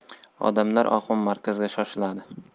odamlar oqimi markazga shoshiladi